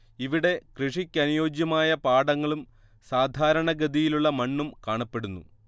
ഇവിടെ കൃഷിക്കനുയോജ്യമായ പാടങ്ങളും സാധാരണ ഗതിയിലുള്ള മണ്ണും കാണപ്പെടുന്നു